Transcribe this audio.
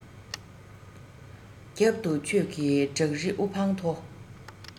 རྒྱབ ཏུ ཆོས ཀྱི བྲག རི དབུ འཕང མཐོ